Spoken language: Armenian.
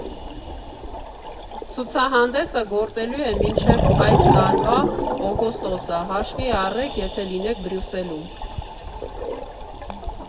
Ցուցահանդեսը գործելու է մինչև այս տարվա օգոստոսը՝ հաշվի առեք, եթե լինեք Բրյուսելում։